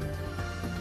San